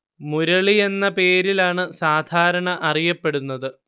മുരളി എന്ന പേരിലാണ് സാധാരണ അറിയപ്പെടുന്നത്